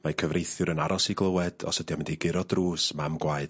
...mae cyfreithiwr yn aros i glywed os ydi o mynd i guro drws mam gwaed...